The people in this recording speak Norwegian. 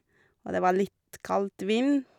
Og det var litt kaldt vind.